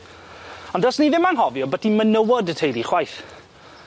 Ond dylse ni ddim anghofio ambyti menywod y teulu chwaith.